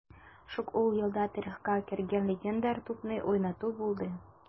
Шул ук елда тарихка кергән легендар тупны уйнату булды: